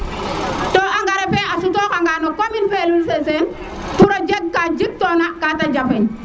te engrais fe a suto xa nga commune ne Lul Seseen pour o jeg ka jik to na ka te jafeñ